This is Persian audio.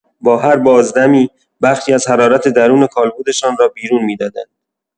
با هر بازدمی، بخشی از حرارت درون کالبدشان را بیرون می‌دادند.